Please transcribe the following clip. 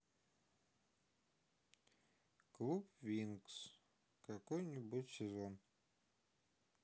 клуб винкс какой нибудь сезон